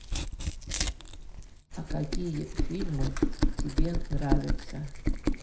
а какие фильмы тебе нравятся